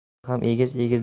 mehnat ham egiz egiz